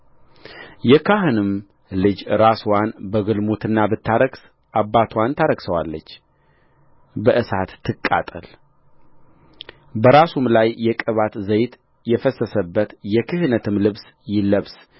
የካህንም ልጅ ራስዋን በግልሙትና ብታረክስ አባትዋን ታረክሰዋለች በእሳት ትቃጠልበራሱም ላይ የቅባት ዘይት የፈሰሰበት የክህነትም ልብስ ይለብስ